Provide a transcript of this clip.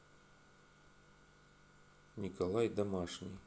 николай домашний